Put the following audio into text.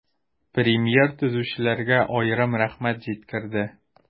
Премьер төзүчеләргә аерым рәхмәт җиткерде.